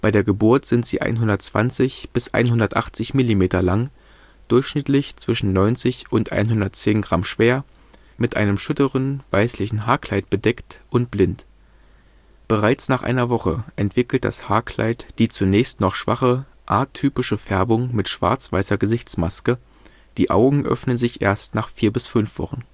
der Geburt sind sie 120 – 180 mm lang, durchschnittlich zwischen 90 und 110 g schwer, mit einem schüttern, weißlichen Haarkleid bedeckt und blind. Bereits nach einer Woche entwickelt das Haarkleid die zunächst noch schwache, arttypische Färbung mit schwarz-weißer Gesichtsmaske, die Augen öffnen sich erst nach vier bis fünf Wochen